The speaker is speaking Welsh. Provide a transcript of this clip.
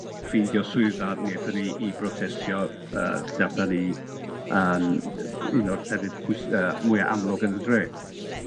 ffeindio swyddfa, mi ethon ni i brotestio yy tu allan i yn u- un o'r llefydd pwys- yy mwya amlwg yn y dre.